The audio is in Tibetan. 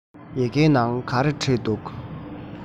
ཡི གེའི ནང ག རེ བྲིས འདུག